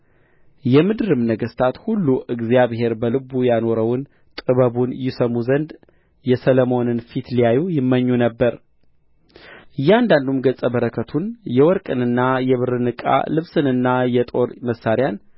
የምድርም ነገሥታት ሁሉ እግዚአብሔር በልቡ ያኖረውን ጥበቡን ይሰሙ ዘንድ የሰሎሞንን ፊት ሊያዩ ይመኙ ነበር እያንዳንዱም ገጸ በረከቱን የወርቅንና የብርን ዕቃ ልብስንና የጦር መሣሪያን